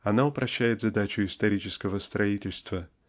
Она упрощает задачу исторического строительства